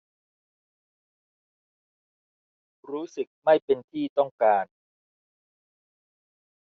รู้สึกไม่เป็นที่ต้องการ